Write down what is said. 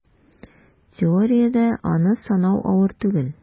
Теориядә аны санау авыр түгел: